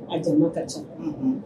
A jɛ ka c